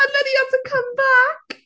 And then he has to come back!